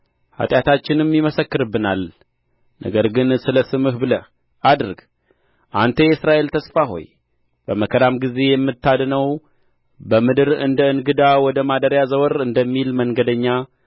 ኃጢአታችን ይመሰክርብናል ነገር ግን ስለ ስምህ ብለህ አድርግ አንተ የእስራኤል ተስፋ ሆይ በመከራም ጊዜ የምታድነው በምድር እንደ እንግዳ ወደ ማደሪያ ዘወር እንደሚል መንገደኛ